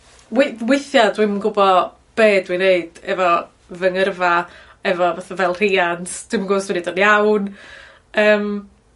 we- weithia dwi'm yn gwybo be' dwi'n neud efo fy ngyrfa efo fatha fel rhiant. Dwi'm yn gwbo os dwi'n neud o'n iawn. Yym.